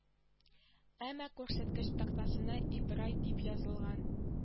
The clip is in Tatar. Әмма күрсәткеч тактасына ибрай дип язылган